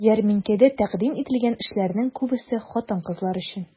Ярминкәдә тәкъдим ителгән эшләрнең күбесе хатын-кызлар өчен.